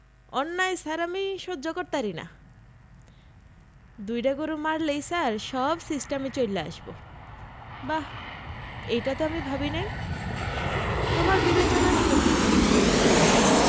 অন্যায় ছার আমি সহ্য করতারিনা দুইডা গরু মারলেই ছার সব সিস্টামে চইলা আসবো বাহ এইটা তো আমি ভাবিনাই তোমার বিবেচনার সত্যিই প্রশংসা করতে হয়